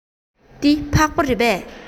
འདི ཕག པ རེད པས